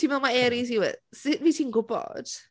Ti'n meddwl mae Aries yw e? Sut wyt ti'n gwybod?